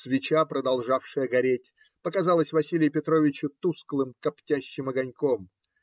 Свеча, продолжавшая гореть, показалась Василию Петровичу тусклым, коптящим огоньком.